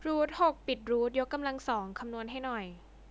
รูทหกปิดรูทยกกำลังสองคำนวณให้หน่อย